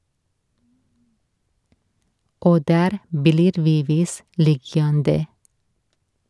Og der blir vi visst liggjande ...